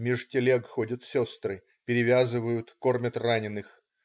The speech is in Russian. Меж телег ходят сестры: перевязывают, кормят раненых.